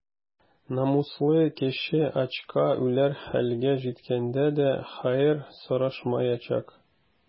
Намуслы кеше ачка үләр хәлгә җиткәндә дә хәер сорашмаячак.